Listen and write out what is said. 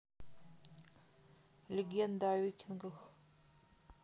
легенда о викингах